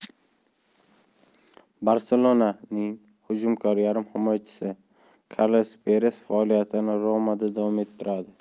barselona ning hujumkor yarim himoyachisi karles peres faoliyatini roma da davom ettiradi